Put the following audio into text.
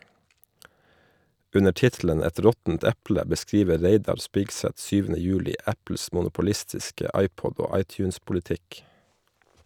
Under tittelen "Et råttent eple" beskriver Reidar Spigseth 7. juli Apples monopolistiske iPod- og iTunes-politikk.